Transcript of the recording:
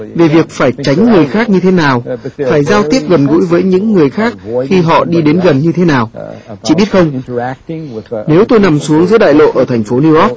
về việc phải tránh người khác như thế nào phải giao tiếp gần gũi với những người khác khi họ đi đến gần như thế nào chị biết không nếu tôi nằm xuống giữa đại lộ ở thành phố nêu ót